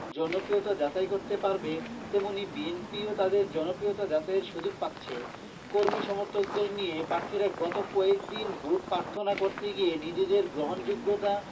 জনপ্রিয়তা যাচাই করতে পারবে তেমনি বিএনপিও তাদের জনপ্রিয়তা যাচাইয়ের সুযোগ পাচ্ছে কর্মী সমর্থকদের নিয়ে প্রার্থীরা গত কয়েক দিনে ভোট প্রার্থনা করতে গিয়ে নিজেদের গ্রহণযোগ্যতা